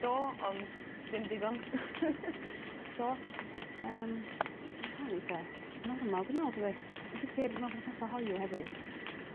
Do ond ddim digon. Do. Yym m- m- rhan eitha normal dwi me'wl dydi? Yn sicir mewn perthnasa hoyw hefyd.